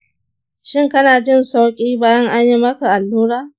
shin kana jin sauƙi bayan an yi maka allura?